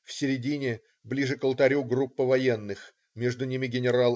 в середине, ближе к алтарю, - группа военных, между ними ген.